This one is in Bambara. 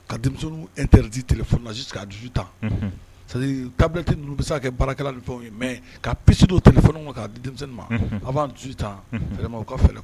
Ka denmisɛnnin e teriti tsi ka dusu tan taaboloti ninnu bɛ se kɛ baarakɛ ni fɛnw mɛ ka psi dɔ t k'a ma a b' dusu su tan yɛlɛma ka fɛ